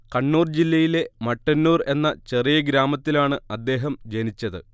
കണ്ണൂർ ജില്ലയിലെ മട്ടന്നൂർ എന്ന ചെറിയ ഗ്രാമത്തിലാണ് അദ്ദേഹം ജനിച്ചത്